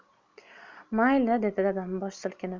mayli dedi dadam bosh silkib